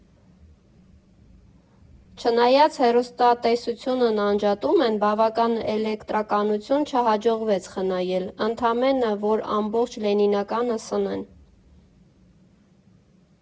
Չնայած հեռուստատեսությունն անջատում են, բավական էլեկտրականություն չհաջողվեց խնայել՝ ընդամենը, որ ամբողջ Լենինականը սնեն։